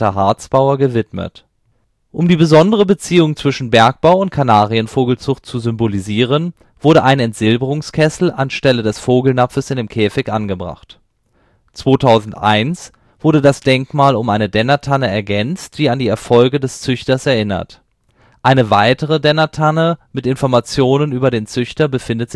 Harzbauer (Standort) gewidmet. Um die besondere Beziehung zwischen Bergbau und Kanarienvogelzucht zu symbolisieren, wurde ein Entsilberungskessel anstelle des Vogelnapfes in dem Käfig angebracht. 2001 wurde das Denkmal um eine Dennert-Tanne (Standort) ergänzt, die an den Erfolg des Züchters erinnert. Eine weitere Dennert-Tanne mit Informationen über den Züchter befindet